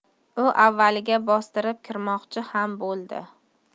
u avvaliga bostirib kirmoqchi ham bo'ldi